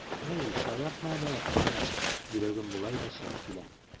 Әй, шаяртма әле, Әкрәм, йөрәгем болай да чыгып килә.